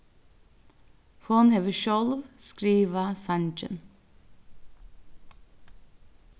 hon hevur sjálv skrivað sangin